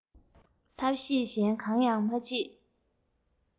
ཐབས ཤེས གཞན གང ཡང མ མཆིས